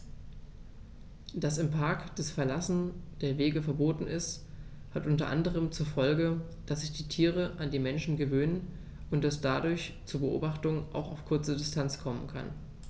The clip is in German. Dass im Park das Verlassen der Wege verboten ist, hat unter anderem zur Folge, dass sich die Tiere an die Menschen gewöhnen und es dadurch zu Beobachtungen auch auf kurze Distanz kommen kann.